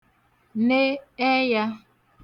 ne ẹyā